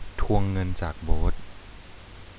ทวงเงินจากโบ๊ท